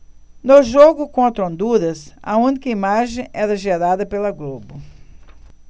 no jogo contra honduras a única imagem era gerada pela globo